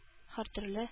Һәртөрле